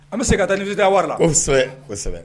An bɛ se ka taa wari la o kosɛbɛ